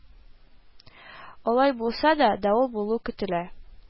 Алай булса да, давыл булуы көтелә